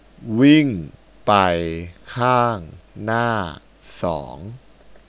วิ่งไปข้างหน้าสอง